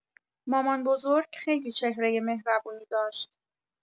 مامان‌بزرگ خیلی چهرۀ مهربونی داشت.